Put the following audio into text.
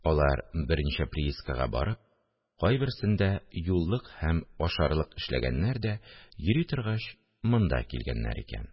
Алар берничә приискага барып, кайберсендә юллык һәм ашарлык эшләгәннәр дә, йөри торгач, монда килгәннәр икән